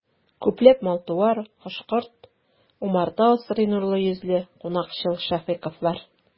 Күпләп мал-туар, кош-корт, умарта асрый нурлы йөзле, кунакчыл шәфыйковлар.